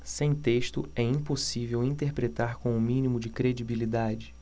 sem texto é impossível interpretar com o mínimo de credibilidade